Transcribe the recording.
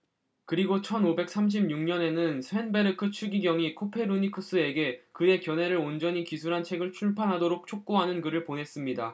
그리고 천 오백 삼십 육 년에는 쇤베르크 추기경이 코페르니쿠스에게 그의 견해를 온전히 기술한 책을 출판하도록 촉구하는 글을 보냈습니다